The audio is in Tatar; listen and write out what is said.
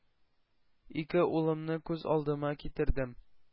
Ике улымны күз алдыма китердем,